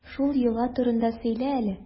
Шул йола турында сөйлә әле.